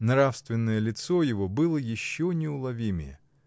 Нравственное лицо его было еще неуловимее.